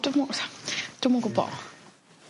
Dwi'm o sa- dwi'm yn gwbo.